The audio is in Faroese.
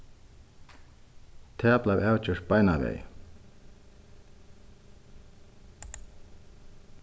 tað bleiv avgjørt beinanvegin